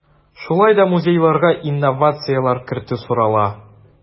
Шулай да музейларга инновацияләр кертү сорала.